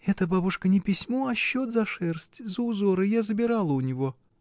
— Это, бабушка, не письмо, а счет за шерсть, за узоры: я забирала у него.